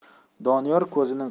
doniyor ko'zining qiri